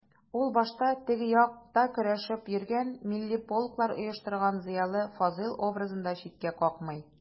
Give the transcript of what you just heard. Ул башта «теге як»та көрәшеп йөргән, милли полклар оештырган зыялы Фазыйл образын да читкә какмый.